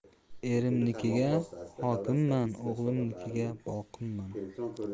erimnikiga hokimman o'g'limnikiga boqimman